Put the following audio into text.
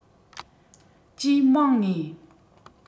གྱིས མང ངེས